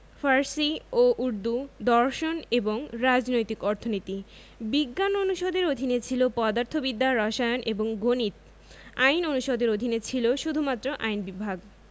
ফার্সি ও উর্দু দর্শন এবং রাজনৈতিক অর্থনীতি বিজ্ঞান অনুষদের অধীনে ছিল পদার্থবিদ্যা রসায়ন এবং গণিত আইন অনুষদের অধীনে ছিল শুধুমাত্র আইন বিভাগ